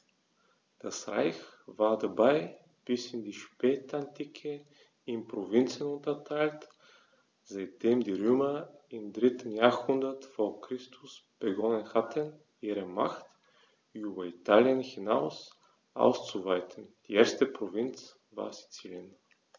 Das Reich war dabei bis in die Spätantike in Provinzen unterteilt, seitdem die Römer im 3. Jahrhundert vor Christus begonnen hatten, ihre Macht über Italien hinaus auszuweiten (die erste Provinz war Sizilien).